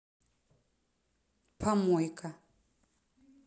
помойка